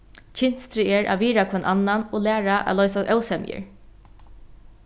kynstrið er at virða hvønn annan og læra at loysa ósemjur